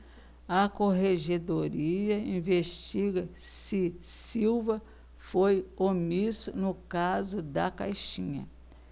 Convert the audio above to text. a corregedoria investiga se silva foi omisso no caso da caixinha